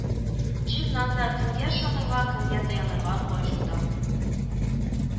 Чыннан да, кемгә ышанырга, кемгә таянырга бу аҗунда